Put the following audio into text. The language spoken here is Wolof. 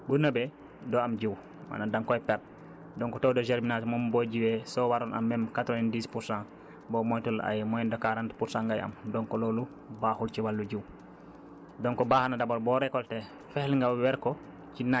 parce que bu wowul day guus te bu guusee rekk mën na nëb bu nëbee doo am jiwu maanaam danga koy perte donc taux de germination moom boo jiwee soo waroon am même quatre vingt dix pour cent boo moytuwul ay moins de quarante pour cent ngay am donc loolu baaxul ci wàllu jiwu